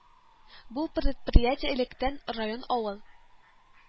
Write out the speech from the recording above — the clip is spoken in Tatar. Бу предприятие электән район авыл